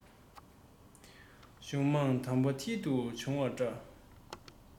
གཞུང མང གདམས པ མཐིལ དུ ཕྱུང བ འདྲ